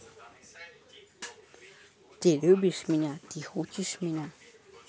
ты любишь меня ты хочешь меня